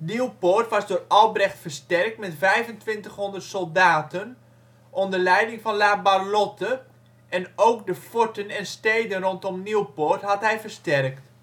Nieuwpoort was door Albrecht versterkt met 2500 soldaten onder leiding van La Barlotte en ook de forten en steden rondom Nieuwpoort had hij versterkt. Over